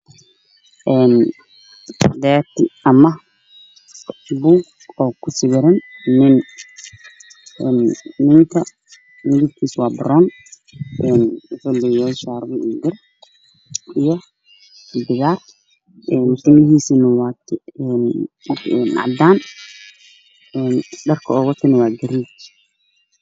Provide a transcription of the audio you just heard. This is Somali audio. Waa boor oo kusawiran nin midabkiisu waa baroon waxuu leeyahay shaaribo iyo gar, timihiisu waa cadaan dharka uu wato waa garee.